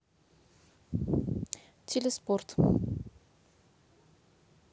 телеспорт